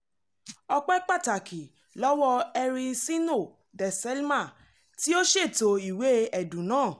Ọpẹ́ pàtàkì lọ́wọ́ Ericino de Salema tí ó ṣètò ìwé ẹ̀dùn náà.